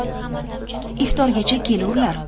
iftorgacha kelurlar